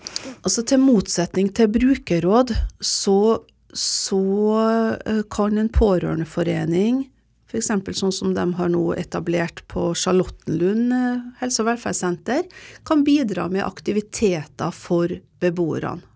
altså til motsetning til brukerråd så så kan en pårørendeforening f.eks. sånn som dem har nå etablert på Charlottenlund helse- og velferdssenter kan bidra med aktiviteter for beboerne.